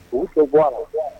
U tɛ gan gan